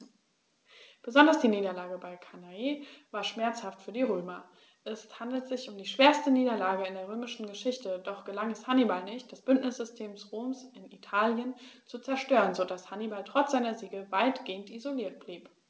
Besonders die Niederlage bei Cannae war schmerzhaft für die Römer: Es handelte sich um die schwerste Niederlage in der römischen Geschichte, doch gelang es Hannibal nicht, das Bündnissystem Roms in Italien zu zerstören, sodass Hannibal trotz seiner Siege weitgehend isoliert blieb.